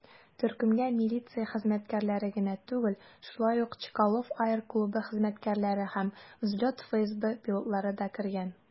Төркемгә милиция хезмәткәрләре генә түгел, шулай ук Чкалов аэроклубы хезмәткәрләре һәм "Взлет" ФСБ пилотлары да кергән.